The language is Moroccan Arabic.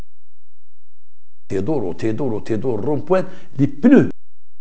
تدور وتدور وتدور